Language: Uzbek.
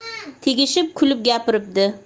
tegishib kulib gapiribdi